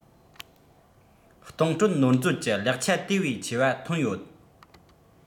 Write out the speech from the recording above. གཏོང སྤྲོད ནོར མཛོད ཀྱི ལེགས ཆ དེ བས ཆེ བ ཐོན ཡོད